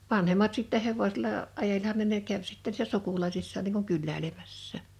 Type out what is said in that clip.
vanhemmat sitten hevosella ajelihan ne ne kävi sitten niissä sukulaisissaan niin kuin kyläilemässä